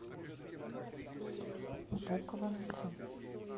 буква с